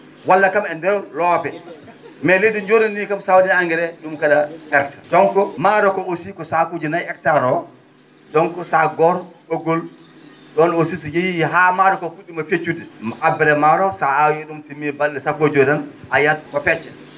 walla kam e ndeer loope mais leydi njoorndi ndii kam so a wa?ii heen engrais ?um kadi a?a perte donc maaro ko aussi ko saakuuji nayi hectare o donc sac gooto ?oggol ?oon aussi so yehii haa maaro koo fu??iima feccude abbere maaro so a aawii ?um timmii bal?e sappo e joyi tan yiyat ko fecca